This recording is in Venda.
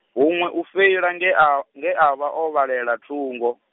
huṅwe u feila nge a, nge a vha o vhalela thungo.